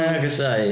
Agosáu.